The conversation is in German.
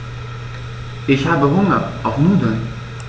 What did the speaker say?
Ich habe Hunger auf Nudeln.